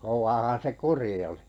kovaahan se kuri oli